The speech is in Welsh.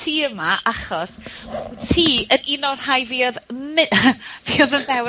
...ti yma achos wt ti yn un o'r rhai fuodd mi- fuodd yn ddewr